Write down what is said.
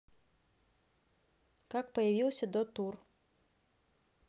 как появился до тур